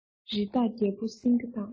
རི དྭགས རྒྱལ པོ སེང གེ དང